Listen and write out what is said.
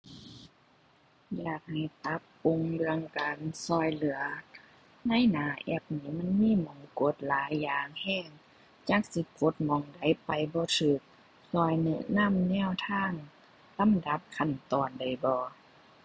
อยากให้ปรับปรุงเรื่องการช่วยเหลือ ในหน้าแอปนี้มันมีหม้องกดหลายอย่างช่วย จักสิกดหม้องใด ไปบ่ช่วย ช่วยแนะนำแนวทาง ลำดับขั้นตอนได้บ่